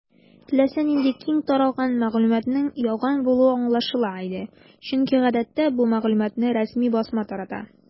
Теләсә нинди киң таралган мәгълүматның ялган булуы аңлашыла иде, чөнки гадәттә бу мәгълүматны рәсми басма тарата.